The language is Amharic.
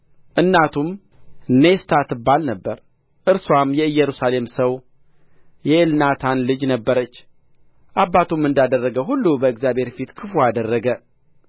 እናቱም ኔስታ ትባል ነበር እርስዋም የኢየሩሳሌም ሰው የኤልናታን ልጅ ነበረች አባቱም እንዳደረገ ሁሉ በእግዚአብሔር ፊት ክፉ አደረገ